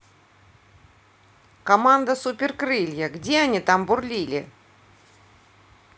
команда супер крылья где они там бурлили